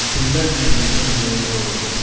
gullar tushirilgan devorga urildi